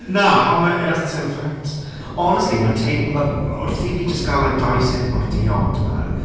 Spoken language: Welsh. Na, ond mae... it has the same effect. Honestly, mae'n tei- ma'... wrth i fi just cael like doi sip o'r diod ma'...